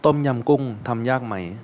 ต้มยำกุ้งทำยากไหม